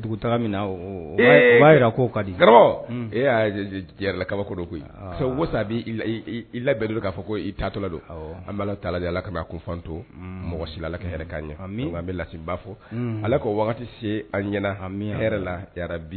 dugutaa min na'a jira ko ka di ga e y'ala kabako koyi sa i labɛndu k'a fɔ ko i tatɔla don' tala ala ka ko fanto mɔgɔ sila' ɲɛ an bɛ laba fo ale ko se an ɲɛnahami yɛrɛ la bi